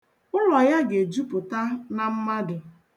Ụlọ ya ga-ejupụta na mmadụ.